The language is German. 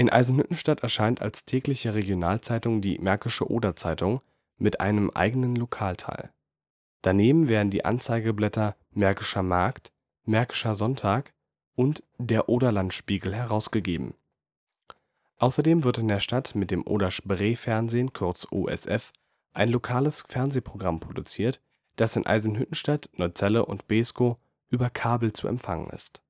Eisenhüttenstadt erscheint als tägliche Regionalzeitung die Märkische Oderzeitung mit einem eigenen Lokalteil. Daneben werden die Anzeigenblätter Märkischer Markt, Märkischer Sonntag und Der Oderland-Spiegel herausgegeben. Außerdem wird in der Stadt mit dem Oder-Spree-Fernsehen (OSF) ein lokales Fernsehprogramm produziert, das in Eisenhüttenstadt, Neuzelle und Beeskow über Kabel zu empfangen ist